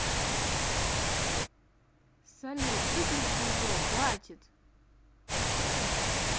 салют выключи игру хватит